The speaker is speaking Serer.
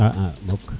xa a mukk